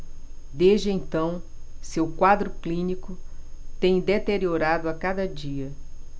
desde então seu quadro clínico tem deteriorado a cada dia